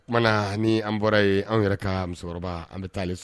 O kumana ni an bɔra yen an yɛrɛ ka musokɔrɔba an bɛ taa so